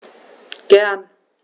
Gern.